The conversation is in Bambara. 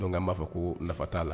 Donc an b'a fɔ ko nafa t'a la.